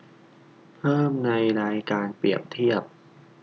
เพิ่มในรายการเปรียบเทียบ